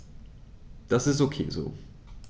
Das ist ok so.